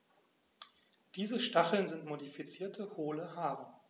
Diese Stacheln sind modifizierte, hohle Haare.